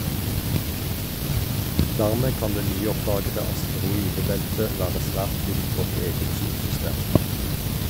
Dermed kan det nyoppdagede asteroidebelte være svært likt vårt eget solsystem.